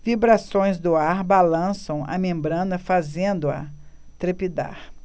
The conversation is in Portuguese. vibrações do ar balançam a membrana fazendo-a trepidar